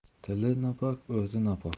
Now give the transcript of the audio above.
tili nopok o'zi nopok